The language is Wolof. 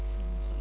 am na solo